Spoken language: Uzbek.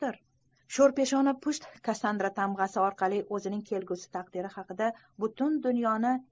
nekrofil' sho'rpeshona pusht kassandra tamg'asi orqali o'zining kelgusi taqdiri haqida butun dunyoni